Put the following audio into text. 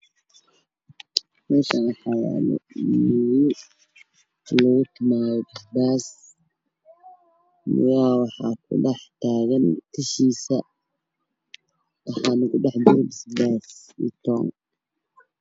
Meeshaan waxaa yaalo mooye lugu tumaayo basbaas, waxaa kudhex jiro basbaas iyo tuun.